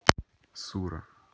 сура